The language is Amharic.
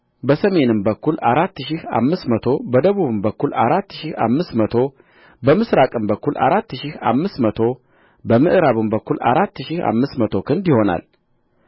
በሰሜን በኩል አራት ሺህ አምስት መቶ በደቡብም በኩል አራት ሺህ አምስት መቶ በምሥራቅም በኩል አራት ሺህ አምስት መቶ በምዕራብም በኩል አራት ሺህ አምስት መቶ ክንድ ይሆናል